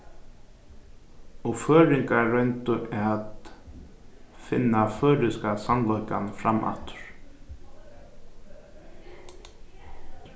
og føroyingar royndu at finna føroyska samleikan fram aftur